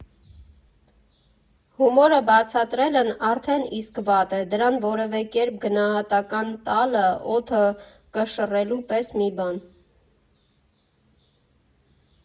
Հումորը բացատրելն արդեն իսկ վատ է, դրան որևէ կերպ գնահատական տալը՝ օդը կշռելու պես մի բան։